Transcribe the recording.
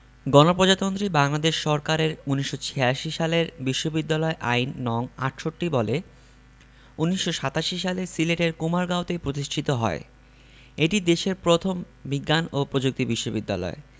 গণপ্রজাতন্ত্রী বাংলাদেশ সরকারের ১৯৮৬ সালের বিশ্ববিদ্যালয় আইন নং ৬৮ বলে ১৯৮৭ সালে সিলেটের কুমারগাঁওতে প্রতিষ্ঠিত হয় এটি দেশের প্রথম বিজ্ঞান ও প্রযুক্তি বিশ্ববিদ্যালয়